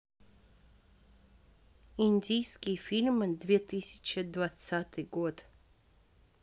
индийский фильм две тысячи двадцатый год